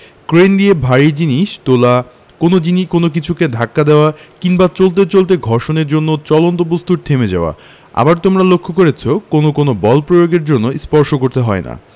crane দিয়ে ভারী জিনিস তোলা কোনো কিছুকে ধাক্কা দেওয়া কিংবা চলতে চলতে ঘর্ষণের জন্য চলন্ত বস্তুর থেমে যাওয়া আবার তোমরা লক্ষ করেছ কোনো কোনো বল প্রয়োগের জন্য স্পর্শ করতে হয় না